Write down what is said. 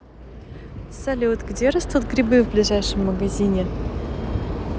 салют где растут грибы в ближайшем магазине